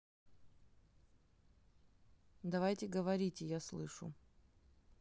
давайте говорите я слышу